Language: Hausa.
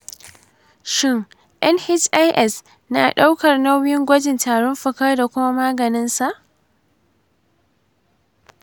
shin nhis na ɗaukar nauyin gwajin tarin fuka da kuma maganin sa?